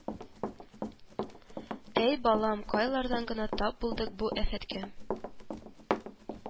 – әй балам, кайлардан гына тап булдык бу афәткә